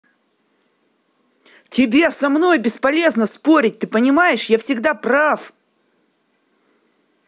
тебе со мной бесполезно спорить ты понимаешь я всегда прав